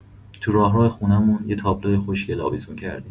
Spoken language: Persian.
تو راهرو خونمون یه تابلو خوشگل آویزون کردیم.